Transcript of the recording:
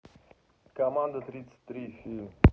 команда тридцать три фильм